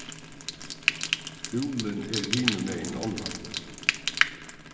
skúlin er hinumegin ánna